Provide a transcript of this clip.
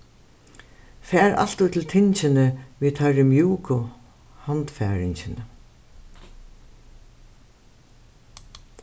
far altíð til tingini við teirri mjúku handfaringini